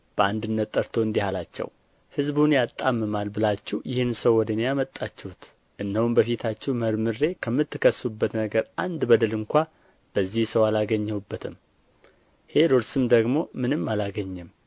በአንድነት ጠርቶ እንዲህ አላቸው ሕዝቡን ያጣምማል ብላችሁ ይህን ሰው ወደ እኔ አመጣችሁት እነሆም በፊታችሁ መርምሬ ከምትከሱበት ነገር አንድ በደል ስንኳ በዚህ ሰው አላገኘሁበትም ሄሮድስም ደግሞ ምንም አላገኘም